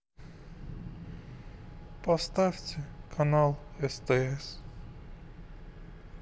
поставьте канал стс